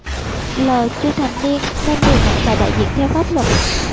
l chưa thành niên nên người mẹ là đại diện theo pháp luật